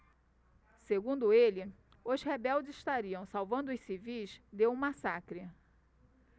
segundo ele os rebeldes estariam salvando os civis de um massacre